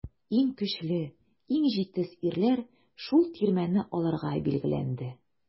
Иң көчле, иң җитез ирләр шул тирмәне алырга билгеләнде.